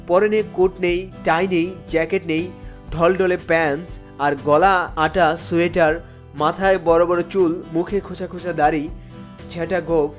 পরনে কোট নেই টাই নেই জ্যাকেট নেই ঢলঢলে প্যান্টস আর গলা আঁটা সোয়েটার মাথায় বড় বড় চুল মুখে খোঁচা খোঁচা দাড়ি ঝেঁটা গোফ